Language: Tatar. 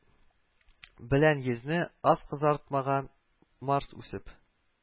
Белән йөзне аз кызартмаган марс үсеп